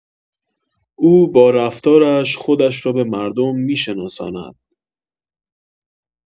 او با رفتارش خودش را به مردم می‌شناساند